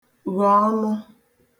ghò ọnụ